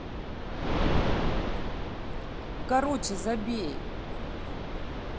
короче забей